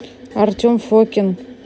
артем фокин